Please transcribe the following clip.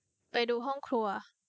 ไปดูห้องครัว